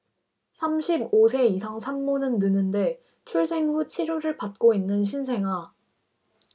삼십 오 세 이상 산모는 느는데출생 후 치료를 받고 있는 신생아